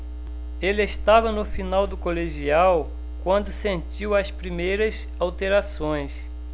ele estava no final do colegial quando sentiu as primeiras alterações